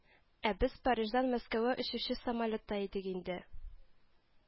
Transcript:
Ә без Париждан Мәскәүгә очучы самолетта идек инде